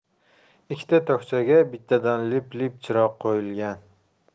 ikkita tokchaga bittadan lip lip chiroq qo'yilgan